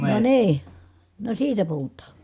no niin no siitä puhutaan